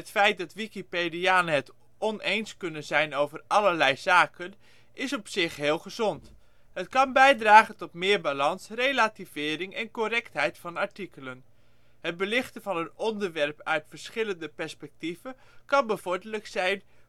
feit dat wikipedianen het oneens kunnen zijn over allerlei zaken is op zich heel gezond, het kan bijdragen tot meer balans, relativering en correctheid van artikelen. Het belichten van een onderwerp uit verschillende perspectieven kan bevorderlijk zijn